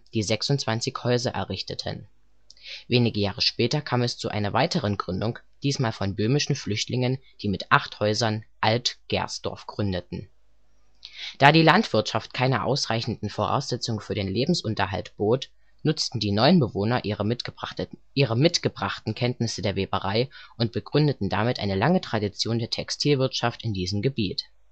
die 26 Häuser errichteten. Wenige Jahre später kam es zu einer weiteren Gründung, diesmal von böhmischen Flüchtlingen, die mit acht Häusern Alt-Gersdorf gründeten. Da die Landwirtschaft keine ausreichenden Voraussetzungen für den Lebensunterhalt bot, nutzten die neuen Bewohner ihre mitgebrachten Kenntnisse der Weberei und begründeten damit eine lange Tradition der Textilwirtschaft in diesem Gebiet